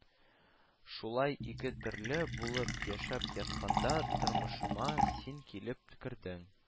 Шулай “ике төрле” булып яшәп ятканда тормышыма син килеп керден